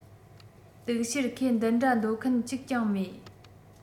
གཏུག བཤེར ཁས འདི འདྲ འདོད མཁན གཅིག ཀྱང མེད